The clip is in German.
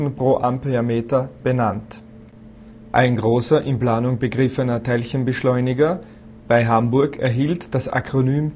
* 1m) benannt. Ein großer, in Planung begriffener Teilchenbeschleuniger bei Hamburg erhielt das Akronym